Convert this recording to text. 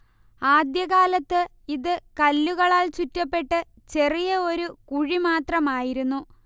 ആദ്യ കാലത്ത് ഇത് കല്ലുകളാൽ ചുറ്റപ്പെട്ട് ചെറിയ ഒരു കുഴി മാത്രമായിരുന്നു